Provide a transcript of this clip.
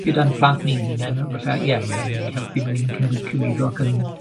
Gyda'n plant ni'n hunen yy falle ie ie ni'n helpu nw ni'n cywi- cywiro ac yn